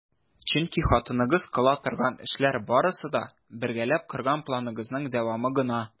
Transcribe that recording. Чөнки хатыныгыз кыла торган эшләр барысы да - бергәләп корган планыгызның дәвамы гына!